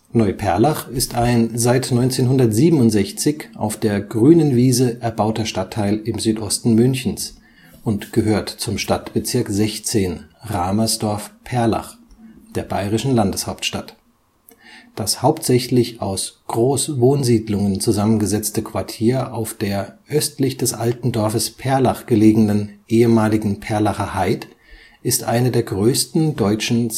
Neuperlach ist ein seit 1967 auf der „ grünen Wiese “erbauter Stadtteil im Südosten Münchens und gehört zum Stadtbezirk 16 (Ramersdorf-Perlach) der bayerischen Landeshauptstadt. Das hauptsächlich aus Großwohnsiedlungen zusammengesetzte Quartier auf der östlich des alten Dorfes Perlach gelegenen ehemaligen Perlacher Haid ist eine der größten deutschen